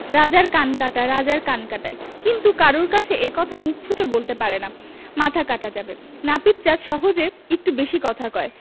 রাজার কান কাটা রাজার কান কাটা কিন্তু কারুর কাছে এ কথা মুখ ফুটে বলতে পারে না মাথা কাটা যাবে নাপিত জাত সহজে একটু বেশী কথা কয়